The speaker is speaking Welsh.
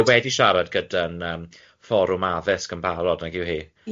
Mae wedi siarad gyda'n yym fforwm addysg yn barod nag yw hi?